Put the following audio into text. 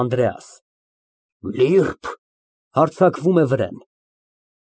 ԱՆԴՐԵԱՍ ֊ Լիրբ… (Հարձակվում է վրեն)։